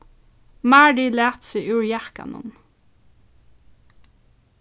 mary læt seg úr jakkanum